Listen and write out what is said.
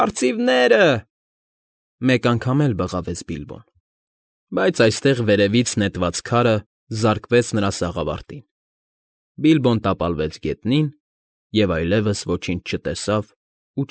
Արծիվնե՜րը,֊ մեկ անգամ էլ բղավեց Բիլբոն, բայց այստեղ վերևից նետված քարը զարկվեց նրա սաղավարտին, Բիլբոն տապալվեց գետնին և այլևս ոչինչ չտեսավ ու։